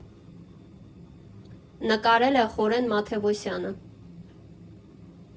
Նկարել է Խորեն Մաթևոսյանը։